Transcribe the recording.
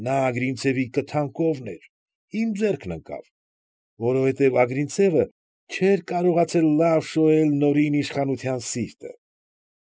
Նա Ագրինցևի կթան կովն էր, իմ ձեռքն ընկավ, որովհետև Ագրինցևը չէր կարողացել լավ շոյել նորին իշխանության սիրտը։